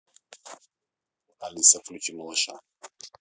алиса включи малыша